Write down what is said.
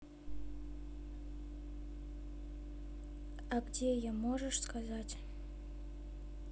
а где я можешь сказать